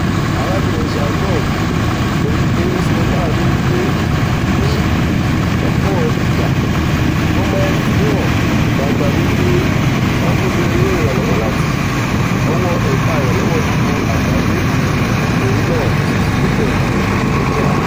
Arábìrin Sumbung sọ wipe ó ṣeni láàánú wípé ní lọ́pọ̀ ìgbà wọ́n ma ń fihàn gbangba wípé àwọn kò béèrè ìraǹwọ́ láti ọwọ́ ẹ̀ka ìrànlọ́wọ́ gbogbo àgbáyé, nítorí náà ó jẹ́ nǹkan tó peni níjà,''